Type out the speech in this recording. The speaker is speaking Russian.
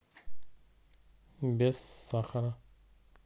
без сахара